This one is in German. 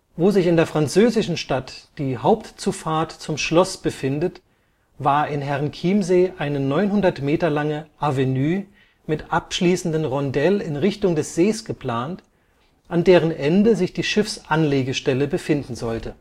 Wo sich in der französischen Stadt die Hauptzufahrt zum Schloss befindet, war in Herrenchiemsee eine 900 Meter lange Avenue mit abschließendem Rondell in Richtung des Sees geplant, an deren Ende sich die Schiffsanlegestelle befinden sollte